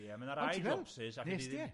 Ie, ma' rai jobsys .